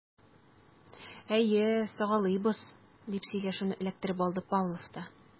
Әйе, сагалыйбыз, - дип сөйләшүне эләктереп алды Павлов та.